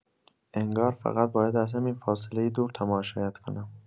انگار فقط باید از همین فاصله دور تماشایت کنم.